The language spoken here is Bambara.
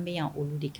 An bɛ olu de